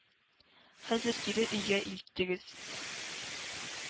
Хәзер кире өйгә илтегез.